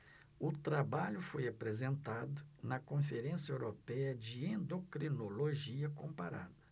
o trabalho foi apresentado na conferência européia de endocrinologia comparada